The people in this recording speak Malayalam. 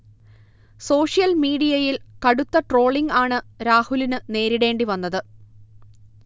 സോഷ്യൽ മിഡീയയിൽ കടുത്ത ട്രോളിംഗ് ആണു രാഹുലിനു നേരിടേണ്ടിവന്നത്